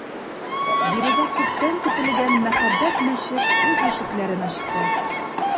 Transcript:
Биредә күптән көтелгән мәһабәт мәчет үз ишекләрен ачты.